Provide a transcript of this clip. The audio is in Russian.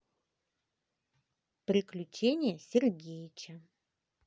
приключения сергеича